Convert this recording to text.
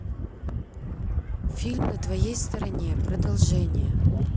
фильм на твоей стороне продолжение